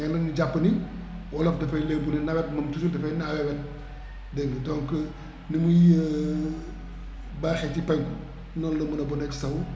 mais nag ñu jàpp ni wolof dafay léebu ne nawet moom toujours dafay naawee wet dégg nga donc ni muy baaxee ci penku noonu la mun a bonee ci soww